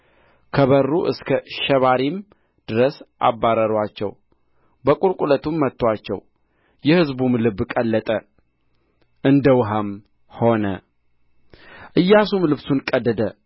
ከበሩ እስከ ሸባሪም ድረስ አባረሩአቸው በቍልቍለቱም መቱአቸው የሕዝቡም ልብ ቀለጠ እንደ ውኃም ሆነ ኢያሱም ልብሱን ቀደደ